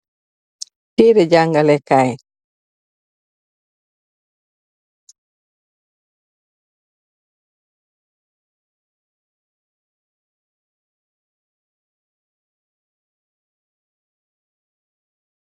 Teere jangalekaay